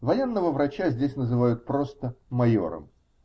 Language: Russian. Военного врача здесь называют просто "майором".